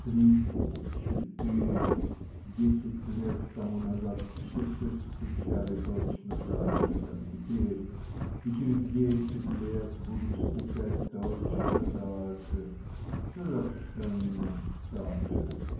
Три, четыре, десять лет тому назад часы стучали точно так же, как и теперь, и через десять лет будут стучать точно так же. совершенно так же!